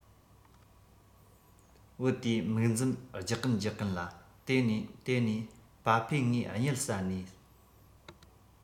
བུ དེས མིག འཛུམ རྒྱག གིན རྒྱག གིན ལ དེ ནས དེ ནས པ ཕས ངའི གཉིད བསད ནས